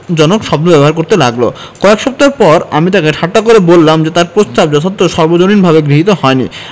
জনক শব্দ ব্যবহার করতে লাগল কয়েক সপ্তাহ পর আমি তাঁকে ঠাট্টা করে বললাম যে তাঁর প্রস্তাব যথার্থ সর্বজনীনভাবে গৃহীত হয়নি